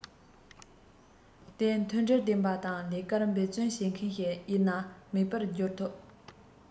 དེ མཐུན སྒྲིལ ལྡན པ དང ལས ཀར འབད རྩོན བྱེད མཁན ཞིག ཡིན ན མིག དཔེར གྱུར ཐུབ